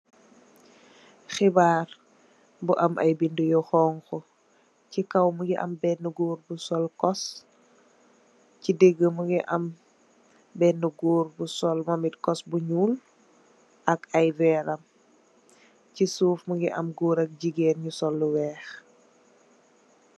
Xibarr bu am ay bindé yu xonxu ci kaw mugii am benna gór bu sol kos. Ci digih mugii am benna gór bu sol kos bu ñuul ak ay wèèr am. Ci suuf mugii am gór ak gigeen ñu sol lu wèèx.